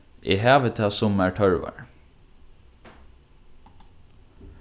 eg havi tað sum mær tørvar